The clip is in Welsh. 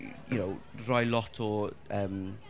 you know rhoi lot o, yym...